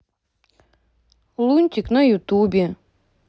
лунтик на ютубе